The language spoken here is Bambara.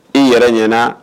I yɛrɛ ɲɛna